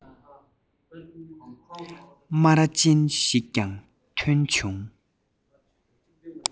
སྨ ར ཅན ཞིག ཀྱང ཐོན བྱུང